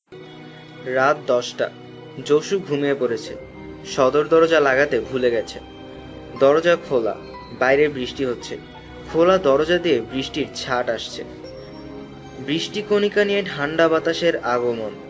রাত ১০ টা জসু ঘুমিয়ে পড়েছে সদর দরজা লাগাতে ভুলে গেছে দরজা খোলা বাইরে বৃষ্টি হচ্ছে খোলা দরজা দিয়ে বৃষ্টির ছাট আসছে বৃষ্টি কনিকা নিয়ে ঠান্ডা বাতাসের আগমন